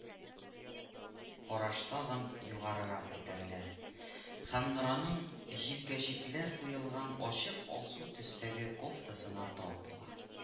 Караш тагын югарырак күтәрелә һәм Нораның җилкәчекләр куелган ачык алсу төстәге кофтасына тап була